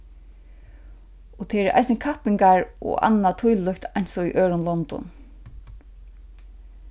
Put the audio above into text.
og tað eru eisini kappingar og annað tílíkt eins og í øðrum londum